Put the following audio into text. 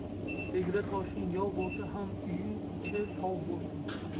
tegra toshing yov bo'lsa ham uying ichi sov bo'lsin